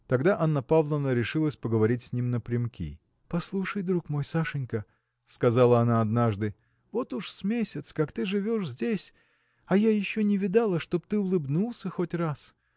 Тогда Анна Павловна решилась поговорить с ним напрямки. – Послушай друг мой Сашенька – сказала она однажды – вот уж с месяц как ты живешь здесь а я еще не видала чтоб ты улыбнулся хоть раз